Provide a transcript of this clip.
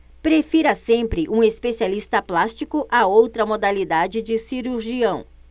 prefira sempre um especialista plástico a outra modalidade de cirurgião